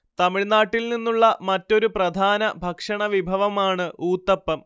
തമിഴ്നാട്ടിൽ നിന്നുള്ള മറ്റൊരു പ്രധാന ഭക്ഷണവിഭവമാണ് ഊത്തപ്പം